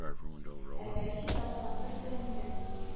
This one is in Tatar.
Ә бәлки тапкандыр да инде